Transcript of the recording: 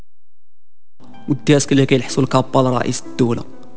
كاس رئيس الدوله